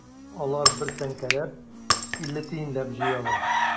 Алар бер тәңкәләп, илле тиенләп җыялар.